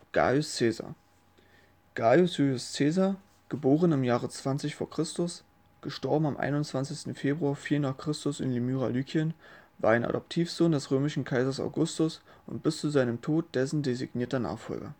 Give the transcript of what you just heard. Gaius (Iulius) Caesar (* 20 v. Chr.; † 21. Februar 4 n. Chr. in Limyra, Lykien) war ein Adoptivsohn des römischen Kaisers Augustus und bis zu seinem Tod dessen designierter Nachfolger